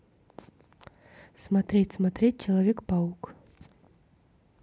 смотреть смотреть человек паук